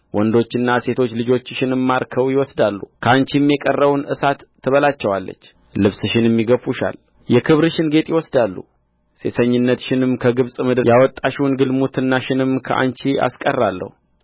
ወንዶችና ሴቶች ልጆችሽንም ማርከው ይወስዳሉ ከአንቺም የቀረውን እሳት ትበላቸዋለች ልብስሽንም ይገፍፉሻል የክብርሽንም ጌጥ ይወስዳሉ ሴሰኝነትሽንም ከግብጽ ምድር ያወጣሽውን ግልሙትናሽንም ከአንቺ አስቀራለሁ